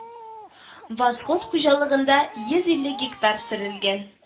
Восход хуҗалыгында йөз илле гектар сөрелгән